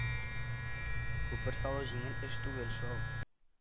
Күпер салу җиңел эш түгел шул. К